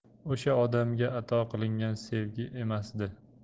o'sha odamga ato qilingan sevgi emasdi